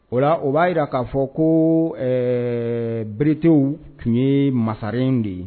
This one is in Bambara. O la o b'a jira k'a fɔ ko ɛɛ biritew tun ye masaren de ye